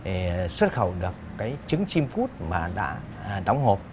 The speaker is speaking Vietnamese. ề xuất khẩu được cái trứng chim cút mà đã đóng hộp